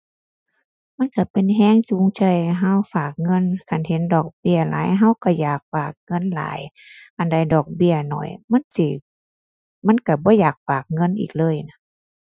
มันก็เป็นก็จูงใจให้ก็ฝากเงิน คันเห็นดอกเบี้ยหลายก็ก็อยากฝากเงินหลาย อันใดดอกเบี้ยน้อยมันสิ มันก็บ่อยากฝากเงินอีกเลยนะ